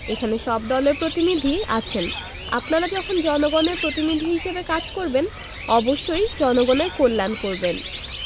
এখানে সব দলের প্রতিনিধি আছেন আপনারা যখন জনগণের প্রতিনিধি হিসেবে কাজ করবেন অবশ্যই জনগণের কল্যাণ করবেন